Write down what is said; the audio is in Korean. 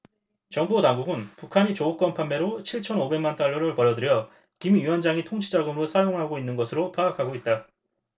정보당국은 북한이 조업권 판매로 칠천 오백 만 달러를 벌어들여 김 위원장의 통치자금으로 사용하고 있는 것으로 파악하고 있다